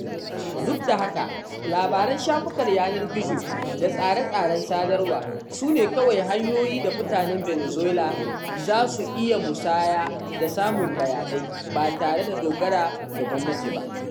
Duk da haka labaran shafukan yanar gizo da tsare-tsaren sadarwa su ne kawai hanyoyin da mutanen Venezuela za su iya musaya da samun bayanai ba tare da dogara ga gwamnati ba.